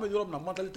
A bɛ yɔrɔ minna ma deli